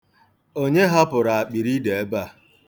Onye hapụrụ akpịriide ebe a?